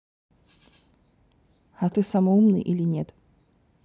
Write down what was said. а ты самый самый умный или нет